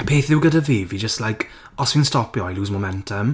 Y peth yw gyda fi, fi jyst like... os fi'n stopio I lose momentum.